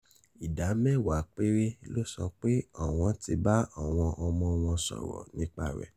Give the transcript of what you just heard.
Ìdá mẹ́wàá péré ló sọ pé àwọn ti bá àwọn ọmọ wọn sọ̀rọ̀ nípa rẹ̀.